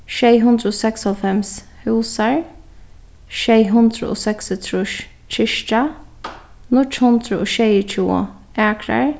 sjey hundrað og seksoghálvfems húsar sjey hundrað og seksogtrýss kirkja níggju hundrað og sjeyogtjúgu akrar